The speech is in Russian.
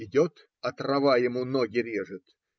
Идет, а трава ему ноги режет